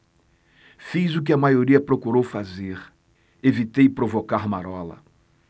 fiz o que a maioria procurou fazer evitei provocar marola